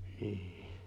niin